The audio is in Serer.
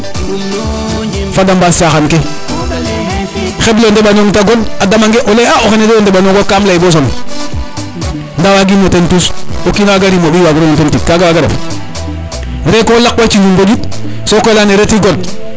fada mbas caxan ke xeblo ndeɓanong te god a damange o leye a o xene de o ndeɓanong o kam ley bo son nda wagim no ten tus o kina waga rimo ɓiy wagiro no ten tig kaga waga ref re ko laq wa ciñum bo ƴut sokoy leyane reti god